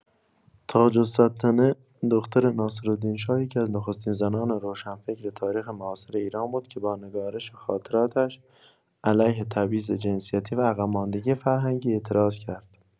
تاج‌السلطنه دختر ناصرالدین‌شاه، یکی‌از نخستین زنان روشنفکر تاریخ معاصر ایران بود که با نگارش خاطراتش، علیه تبعیض جنسیتی و عقب‌ماندگی فرهنگی اعتراض کرد.